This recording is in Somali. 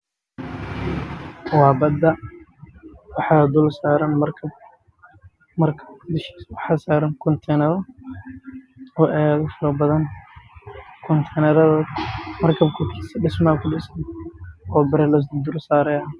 Waa bada waxaa dulsaaran markab